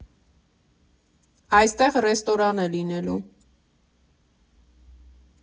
Այստեղ ռեստորան է լինելու։